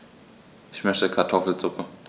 Ich möchte Kartoffelsuppe.